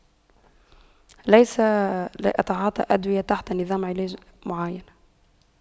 ليس لا أتعاطى أدوية تحت نظام علاج معين